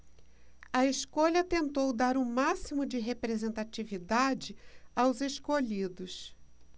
a escolha tentou dar o máximo de representatividade aos escolhidos